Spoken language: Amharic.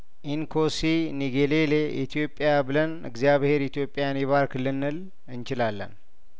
ኢንኮ ሲኒጌ ሌሌ ኢትዮጵያ ብለን እግዚአብሄር ኢትዮጵያን ይባርክልን እንችላለን